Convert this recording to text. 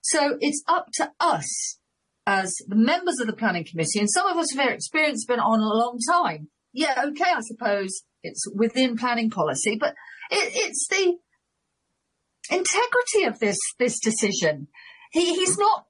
So it's up to us as the members of the planning committee and some of us have had experience been on a long time, yeah okay I suppose it's within planning policy, but it it's the, integrity of this this decision he he's not-